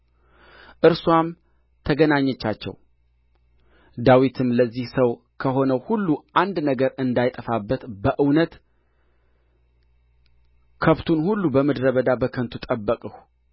እርስዋም ተገናኘቻቸው ዳዊትም ለዚህ ሰው ከሆነው ሁሉ አንድ ነገር እንዳይጠፋበት በእውነት ከብቱን ሁሉ በምድረ በዳ በከንቱ ጠበቅሁ